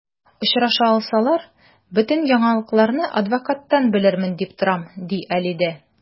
Очраша алсалар, бөтен яңалыкларны адвокаттан белермен дип торам, ди Алидә.